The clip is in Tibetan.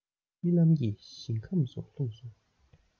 རྨི ལམ གྱི ཞིང ཁམས སུ ལྷུང སོང